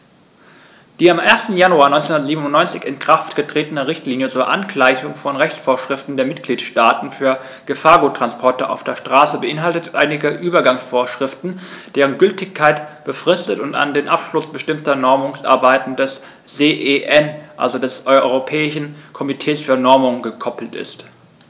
Die am 1. Januar 1997 in Kraft getretene Richtlinie zur Angleichung von Rechtsvorschriften der Mitgliedstaaten für Gefahrguttransporte auf der Straße beinhaltet einige Übergangsvorschriften, deren Gültigkeit befristet und an den Abschluss bestimmter Normungsarbeiten des CEN, also des Europäischen Komitees für Normung, gekoppelt ist.